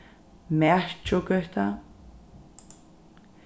mækjugøta